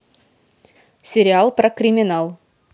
сериал про криминал